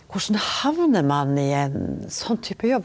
korleis hamnar ein i ein sånn type jobb?